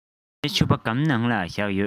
ངའི ཕྱུ པ སྒམ ནང ལ བཞག ཡོད